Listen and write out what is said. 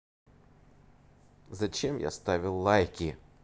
зачем я ставил лайки